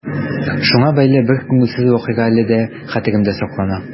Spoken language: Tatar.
Шуңа бәйле бер күңелсез вакыйга әле дә хәтеремдә саклана.